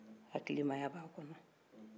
hakilimaya b'a kɔnɔ